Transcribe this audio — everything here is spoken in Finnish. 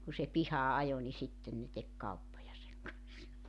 kun se pihaan ajoi niin sitten ne teki kauppoja sen kanssa